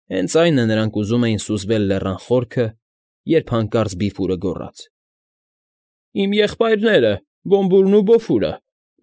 Հենց այն է, նրանք ուզում էին սուզվել լեռան խորքը, երբ հանկարծ Բիֆուրը գոռաց. ֊ Իմ եղբայրները… Բոմբուրն ու Բոֆուրը։